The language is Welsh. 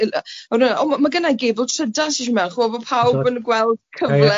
'yy yy a o ma- ma' gynna i gebl tryda sy isio mend' chi'bod bo' pawb yn gweld cyfle... Ie...